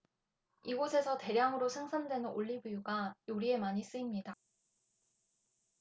이곳에서 대량으로 생산되는 올리브유가 요리에 많이 쓰입니다